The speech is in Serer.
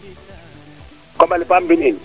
koɓale paam mbin in